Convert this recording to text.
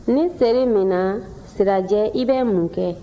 ni seri minna sirajɛ i bɛ mun kɛ